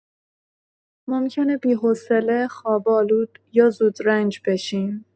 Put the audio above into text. ممکنه بی‌حوصله، خواب‌آلود یا زودرنج بشیم.